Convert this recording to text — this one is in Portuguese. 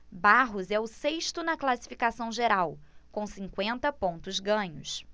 barros é o sexto na classificação geral com cinquenta pontos ganhos